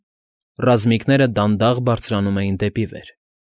Ռազմիկները դանդաղ բարձրանում էին դեպի վեր։